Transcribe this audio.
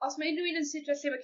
os ma' unryw un yn sidro lle ma'...